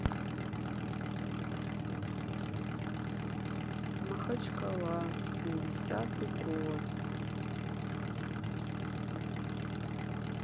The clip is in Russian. махачкала семидесятый год